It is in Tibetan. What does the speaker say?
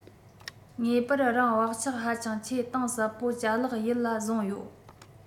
ངེས པར རང བག ཆགས ཧ ཅང ཆེས གཏིང ཟབ པོ ལྕ ལག ཡིད ལ བཟུང ཡོད